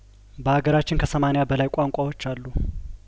በአገራችን ከሰማኒያ በላይ ቋንቋዎች አሉ